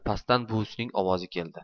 pastdan buvisining ovozi keldi